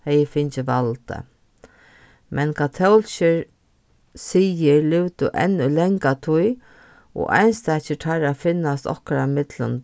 hevði fingið valdið men katólskir siðir livdu enn í langa tíð og einstakir teirra finnast okkara millum